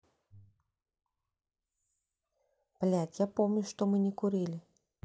блядь я помню что мы не kurili